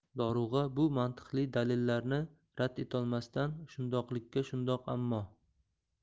dorug'a bu mantiqli dalillarni rad etolmasdan shundoqlikka shundoq ammo